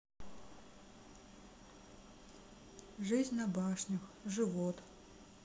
жизнь на башнях живот